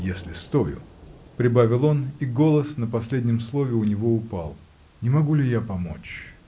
если стою, — прибавил он, и голос на последнем слове у него упал. — Не могу ли я помочь?